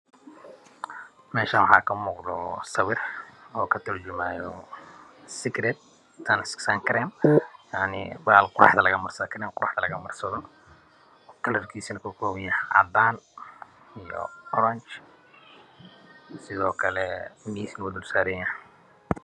Sawarkan idin muuqdo waxow katurjimayo karen kalar kisi waa cadan iyo oranji